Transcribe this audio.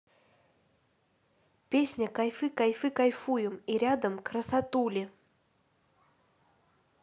песня кайфы кайфы кайфуем и рядом красотули